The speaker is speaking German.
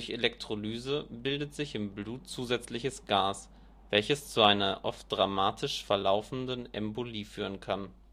Elektrolyse bildet sich im Blut zusätzlich Gas, welches zu einer oft dramatisch verlaufenden Embolie führen kann